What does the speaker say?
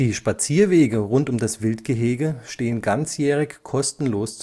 Spazierwege rund um das Wildgehege stehen ganzjährig kostenlos